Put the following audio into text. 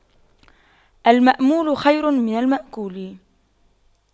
المأمول خير من المأكول